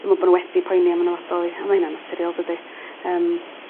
dwi me'wl bo' n'w wedi poeni am 'yn nyfodol i a ma' hynna'n naturiol dydi? Yym.